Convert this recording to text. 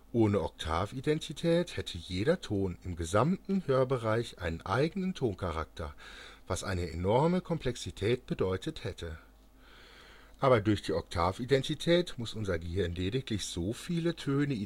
Ohne Oktavidentität hätte jeder Ton im gesamten Hörbereich einen eigenen Toncharakter, was eine enorme Komplexität bedeutet hätte. Aber durch die Oktavidentität muß unser Gehirn lediglich so viele Töne identifizieren